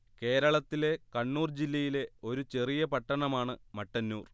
കേരളത്തിലെ കണ്ണൂർ ജില്ലയിലെ ഒരു ചെറിയ പട്ടണമാണ് മട്ടന്നൂർ